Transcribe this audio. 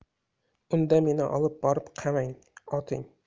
unda meni olib borib qamang oting